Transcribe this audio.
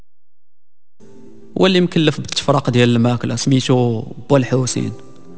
والله يمكن لفت فاقد يا اللي معك لازم يسووا الحوثي